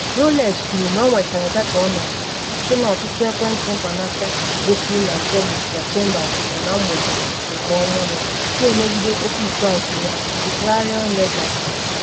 Rowlett kwuru na ọ nwetara data ọnọdụ site n’ọtụtụ ekwentị mkpanaka gosiri na Tellis na Chambers nọ na mgbede nke ọnwụ ya, na emegide okwu ikpeazụ ya, The Clarion Ledger kwuru.